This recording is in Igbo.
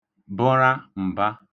bə̣ra m̀ba